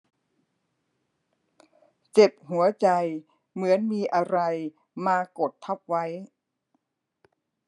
เจ็บหัวใจเหมือนมีอะไรมีกดทับไว้